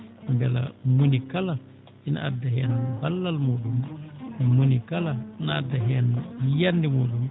mbela mo woni kala ina adda heen ballal muuɗum mo woni kala ina adda heen yiyannde muuɗum